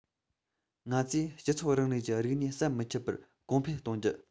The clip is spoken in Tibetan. ང ཚོས སྤྱི ཚོགས རིང ལུགས ཀྱི རིག གནས ཟམ མི ཆད པར གོང འཕེལ གཏོང རྒྱུ